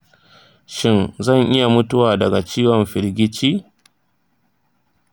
shin zan iya mutuwa daga ciwon firgici?